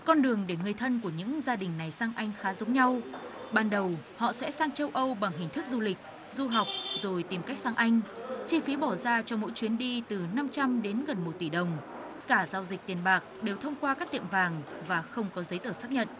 con đường để người thân của những gia đình này sang anh khá giống nhau ban đầu họ sẽ sang châu âu bằng hình thức du lịch du học rồi tìm cách sang anh chi phí bỏ ra cho mỗi chuyến đi từ năm trăm đến gần một tỷ đồng cả giao dịch tiền bạc đều thông qua các tiệm vàng và không có giấy tờ xác nhận